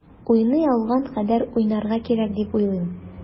Уйный алган кадәр уйнарга кирәк дип уйлыйм.